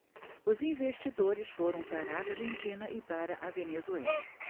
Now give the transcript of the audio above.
os investidores foram para a argentina e para a venezuela